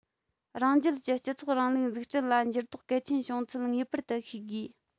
རང རྒྱལ གྱི སྤྱི ཚོགས རིང ལུགས འཛུགས སྐྲུན ལ འགྱུར ལྡོག གལ ཆེན བྱུང ཚུལ ངེས པར དུ ཤེས དགོས